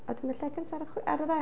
A wedyn lle cyntaf ar y chwi... ar y dde.